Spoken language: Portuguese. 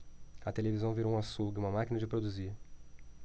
a televisão virou um açougue uma máquina de produzir